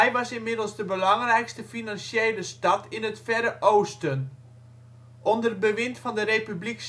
was inmiddels de belangrijkste financiële stad in het Verre Oosten. Onder bewind van de Republiek